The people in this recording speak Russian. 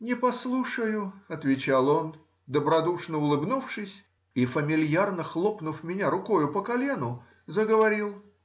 — Не послушаю,— отвечал он, добродушно улыбнувшись, и, фамильярно хлопнув меня рукою по колену, заговорил